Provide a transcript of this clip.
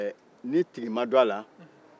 ɛɛ ni tigi ma dɔn a la